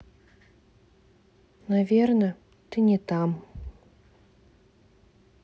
наверно ты не там